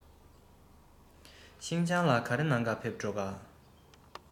ཤིན ཅང ལ ག རེ གནང ག ཕེབས འགྲོ ག ཀ